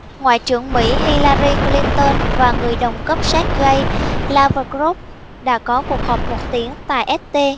ngoại trưởng mỹ hillary clinton và người đồng cấp sergei lavrov đã có cuộc họp một tiếng tại st